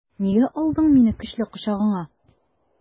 Нигә алдың мине көчле кочагыңа?